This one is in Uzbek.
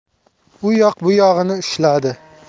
u yoq bu yog'ini ushladi